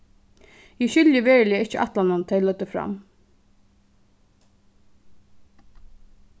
eg skilji veruliga ikki ætlanina tey løgdu fram